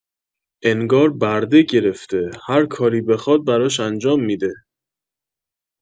انگار برده گرفته هر کاری بخواد براش انجام می‌ده